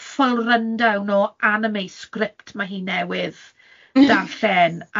full rundown o anime script ma' hi'n newydd darllen.